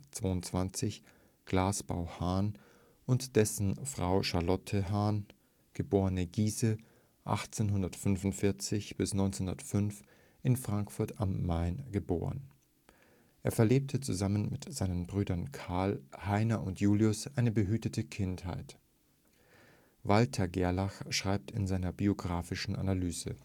1922, „ Glasbau Hahn “) und dessen Frau Charlotte Hahn geb. Giese (1845 – 1905) in Frankfurt am Main geboren. Er verlebte zusammen mit seinen Brüdern Karl, Heiner und Julius eine behütete Kindheit. Walther Gerlach schreibt in seiner biographischen Analyse